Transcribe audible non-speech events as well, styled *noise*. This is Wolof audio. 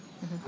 *hesitation* *hesitation*